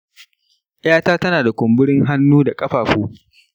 yata tana da kumburin hannu da ƙafafu.